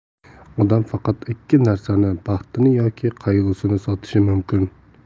odam faqat ikki narsasini baxtini yoki qayg'usini sotishi mumkin